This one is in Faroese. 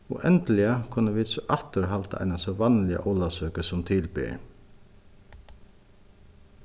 og endiliga kunnu vit so aftur halda eina so vanliga ólavsøku sum til ber